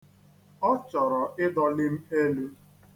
Ọ chọrọ ịdọli m elu.